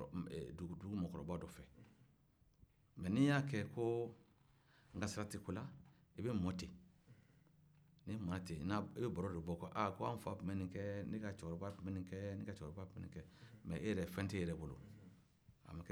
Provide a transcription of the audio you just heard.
ni mɔra ten i bɛ baro de bɔ ko aa an fa tun bɛ nin kɛ ne ka cekɔrɔba tun bɛ nin kɛ ne ka cekɔrɔba tun bɛ nin kɛ mɛ e yɛrɛ fɛn tɛ e yɛrɛ bolo a ma kɛ galo ye ma